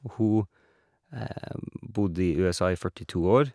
Og hun bodde i USA i førtito år.